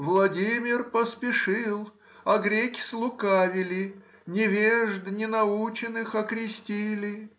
Владимир поспешил, а греки слукавили,— невежд ненаученных окрестили.